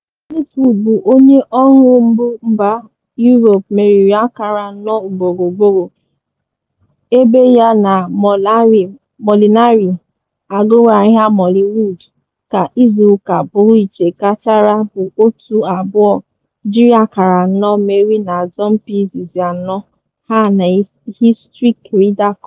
Fleetwood bụ onye ọhụrụ mbụ mba Europe meriri akara anọ ugboro ugboro ebe ya na Molinari, agụrụ aha “Molliwood” ka izu ụka pụrụ iche gachara bụ otu abụọ jiri akara anọ merie na asompi izizi anọ ha na hịstrị Ryder Cup.